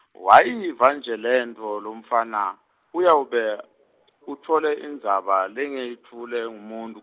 Wayiva nje lentfo lomfana, uyawube, utfole intsaba langeyutfulwa ngumuntfu.